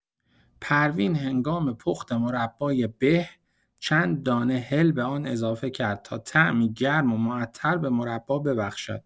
پروین هنگام پخت مربای به، چند دانه هل به آن اضافه کرد تا طعمی گرم و معطر به مربا ببخشد.